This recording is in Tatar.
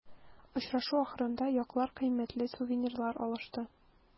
Очрашу ахырында яклар кыйммәтле сувенирлар алышты.